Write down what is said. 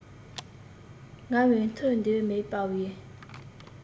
ངའི འཐུང འདོད མེད པའི